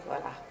voilà